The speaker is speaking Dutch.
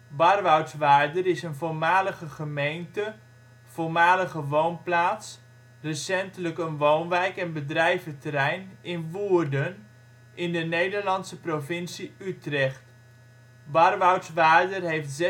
Barwoutswaarder is een voormalige gemeente, voormalige woonplaats, recentelijk een woonwijk en bedrijventerrein in Woerden, in de Nederlandse provincie Utrecht. Barwoutswaarder heeft